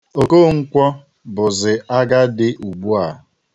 Okonkwo bụzi agadi ugbua.